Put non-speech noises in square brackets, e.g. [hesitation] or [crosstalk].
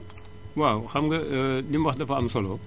[smacks lips] waaw xam nga [hesitation] li mu wax dafa am solo